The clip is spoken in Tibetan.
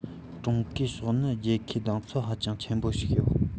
ཀྲུང གོ ཕྱོགས ནི རྒྱལ ཁའི གདེང ཚོད ཧ ཅང ཆེན པོ ཞིག ཡོད